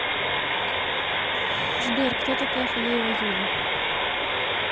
сбер кто такая фалеева юлия